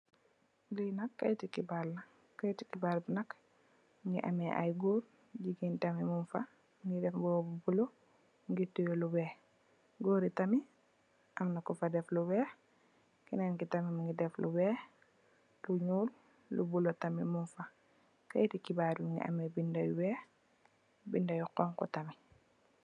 Lee nak keyete kebarr la keyete kebarr be nak muge ameh aye goor jegain tamin nyungfa munge def mboba bu bula muge teye lu weex goor ye tamin amna kufa def lu weex kenen ke tamin muge def lu weex lu nuul lu bulo tamin mungfa keyete kebarr be muge ameh beda yu weex binda yu xonxo tamin.